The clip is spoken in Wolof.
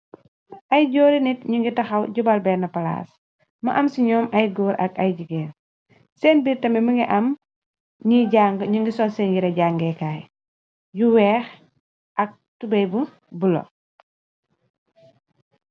Ay jorri nit ñu ngi taxaw jubal benn palas, mu am si ñum ay goor ak ay jigéen. Sen biir tamit mingi am ñiy jàng, ñu ngi sol seen yiray jangeekaay. Yu weex ak tuboy bu buleuh.